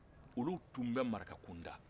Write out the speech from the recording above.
olu tun bɛ maraka kunda